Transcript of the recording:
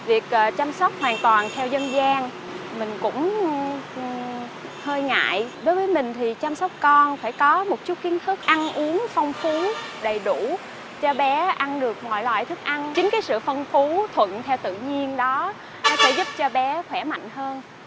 việc chăm sóc hoàn toàn theo dân gian mình cũng hơi ngại đối với mình thì chăm sóc con phải có một chút kiến thức ăn uống phong phú đầy đủ cho bé ăn được mọi loại thức ăn chính cái sự phong phú thuận theo tự nhiên đó nó sẽ giúp cho bé khỏe mạnh hơn